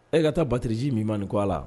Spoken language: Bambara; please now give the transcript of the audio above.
E ka taa batiriji min bann ko allah